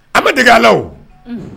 A ma deg'a la o unh